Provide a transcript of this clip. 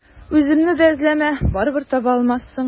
Үземне дә эзләмә, барыбер таба алмассың.